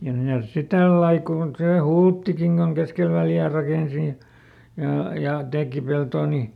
ja mitäs sitten tällä lailla kun se Hulttikin kun keskelle Väljää rakensi ja ja ja teki peltoa niin